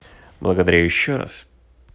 благодарю еще раз